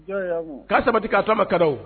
'a sabati k' taamama ka